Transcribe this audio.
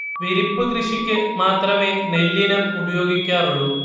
വിരിപ്പ് കൃഷിക്ക് മാത്രമേ നെല്ലിനം ഉപയോഗിക്കാറുള്ളൂ